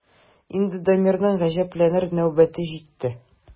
Инде Дамирның гаҗәпләнер нәүбәте җитте.